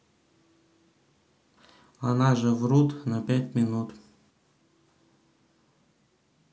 она же врут на пять минут